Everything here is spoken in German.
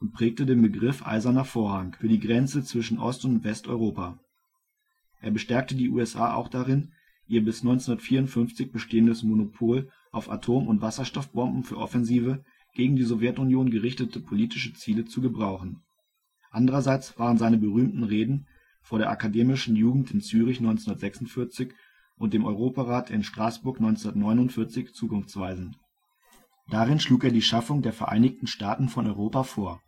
prägte den Begriff " Eiserner Vorhang " (s.u.) für die Grenze zwischen Ost - und Westeuropa. Er bestärkte die USA auch darin, ihr bis 1954 bestehendes Monopol auf Atom - und Wasserstoffbomben für offensive, gegen die Sowjetunion gerichtete politische Ziele zu gebrauchen. Andererseits waren seine berühmten Reden vor der Akademischen Jugend in Zürich 1946 und dem Europarat in Straßburg 1949 zukunftsweisend: Darin schlug er die Schaffung der " Vereinigten Staaten von Europa " vor